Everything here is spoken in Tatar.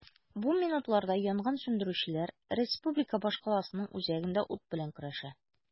Бу минутларда янгын сүндерүчеләр республика башкаласының үзәгендә ут белән көрәшә.